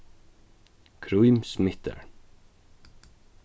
krím smittar